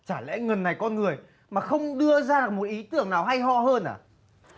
chả lẽ ngần này con người mà không đưa ra được một ý tưởng nào hay ho hơn à